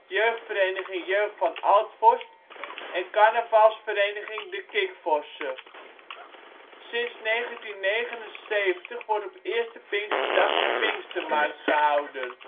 Jeugdvereniging Jeugd Van Altforst en Carnavalsvereniging De Kikvorsche. Sinds 1979 wordt op 1e Pinksterdag een Pinkstermarkt gehouden